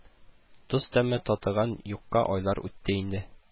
Тоз тәме татыган юкка айлар үтте инде